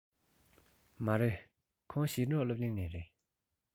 མ རེད ཁོང ཞིང འབྲོག སློབ གླིང ནས རེད